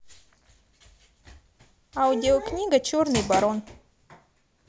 аудиокнига черный барон